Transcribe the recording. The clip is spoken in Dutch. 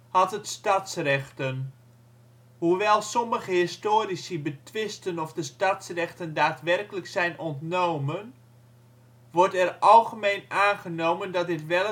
had het stadsrechten. Hoewel sommige historici betwisten of de stadsrechten daadwerkelijk zijn ontnomen, wordt er algemeen aangenomen dat dit wel